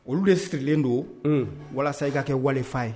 Olu de sirilen don walasa i ka kɛ wali' ye